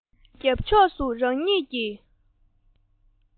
ངའི རྒྱབ ཕྱོགས སུ རང ཉིད ཀྱི